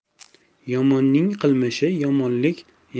yomonning qilmishi yomonlik